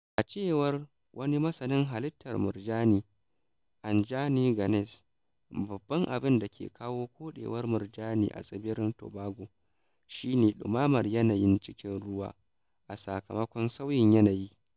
A cewar wani masanin halittar murjani Anjani Ganase, babban abinda ke kawo koɗewar murjani a tsibirin Tobago shi ne ɗumamar yanayin cikin ruwa - a sakamakon sauyin yanayi.